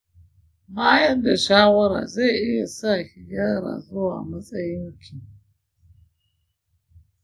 bayar da shawara zai iya sa ki gyara zuwa matsayinki.